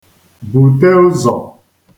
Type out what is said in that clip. bùte ụzọ̀